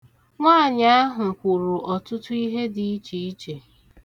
Nwaanyị ahụ kwuru ọtụtụ ihe dị ichiiche.